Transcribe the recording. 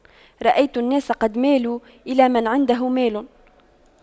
رأيت الناس قد مالوا إلى من عنده مال